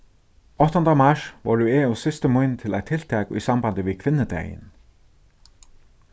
áttanda mars vóru eg og systir mín til eitt tiltak í sambandi við kvinnudagin